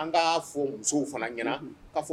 An' musow fana ɲɛna